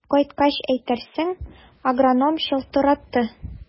Кайткач әйтерсең, агроном чылтыратты.